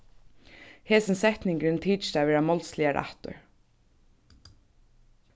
hesin setningurin tykist at vera málsliga rættur